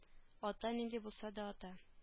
Ата нинди булса да ата